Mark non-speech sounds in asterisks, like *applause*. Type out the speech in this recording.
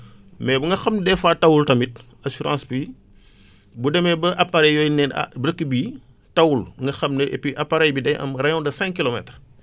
mais bu nga xam ne des fois tawul tamit assurance bi *breath* bu demee ba appareils yooyu ne ah dëkk bii tawul nga xam ne et puis appareil bi day am rayon de cinq kilomètres